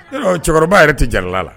Cɛkɔrɔba yɛrɛ tɛ jarala la